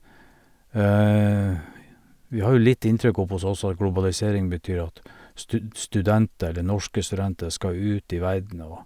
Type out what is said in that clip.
Vi har jo litt inntrykk oppe hos oss, og, at globalisering betyr at stud studenter eller norske studenter skal ut i verden og...